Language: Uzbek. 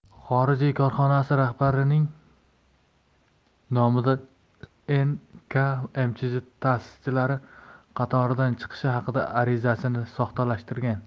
xorijiy korxonasi rahbarining nomidan n k mchj ta'sischilari qatoridan chiqishi haqida arizasini soxtalashtirgan